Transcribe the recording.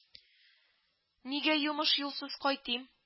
– нигә йомыш-юлсыз кайтыйм